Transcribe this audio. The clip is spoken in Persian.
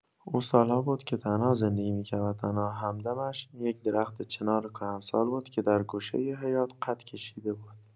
او سال‌ها بود که تنها زندگی می‌کرد و تنها همدمش، یک درخت چنار کهنسال بود که در گوشه حیاط قد کشیده بود.